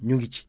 ñu ngi ci